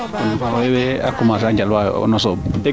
fafaye we a commencer a njal waalo a sooɓ deg